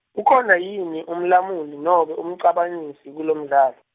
ukhona yini umlamuli nobe umcabanisi kulomdlalo?